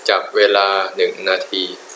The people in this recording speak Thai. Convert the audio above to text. จับเวลาหนึ่งนาที